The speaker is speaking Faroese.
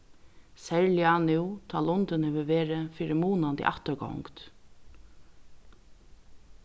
serliga nú tá lundin hevur verið fyri munandi afturgongd